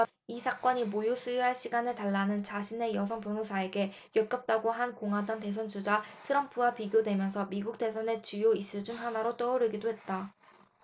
이 사건이 모유 수유할 시간을 달라는 자신의 여성 변호사에게 역겹다고 한 공화당 대선 주자 트럼프와 비교되면서 미국 대선의 주요 이슈 중 하나로 떠오르기도 했다